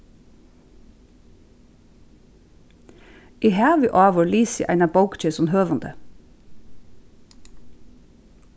eg havi áður lisið eina bók hjá hesum høvundi